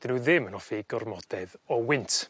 'dyn n'w ddim yn offi gormodedd o wynt.